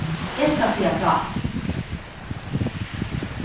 eg skal siga frá aftur